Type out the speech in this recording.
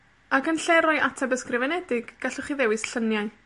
Ag yn lle roi ateb ysgrifenedig, gallwch chi ddewis llyniau.